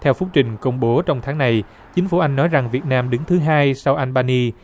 theo phúc trình công bố trong tháng này chính phủ anh nói rằng việt nam đứng thứ hai sau an ba ny